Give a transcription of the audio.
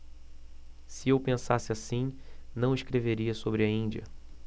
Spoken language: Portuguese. se eu pensasse assim não escreveria sobre a índia